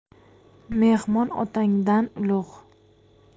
mehmon otangdan ulug'